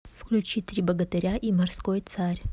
включи три богатыря и морской царь